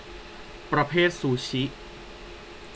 ประเภทซูชิ